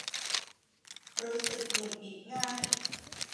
รู้สึกหงุดหงิดง่าย